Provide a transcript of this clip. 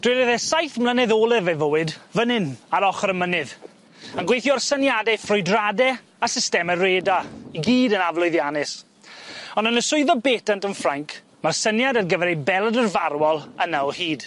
Dreuliodd e saith mlynedd olaf ei fywyd, fyn 'yn, ar ochyr y mynydd, yn gweithio ar syniade ffrwydrade a systeme radar, i gyd yn aflwyddiannus ond yn y swyddfa betant yn Ffrainc, ma'r syniad ar gyfer ei beledr farwol yna o hyd.